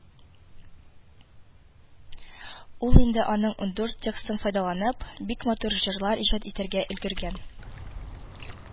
Ул инде аның ундүрт текстын файдаланып, бик матур җырлар иҗат итәргә өлгергән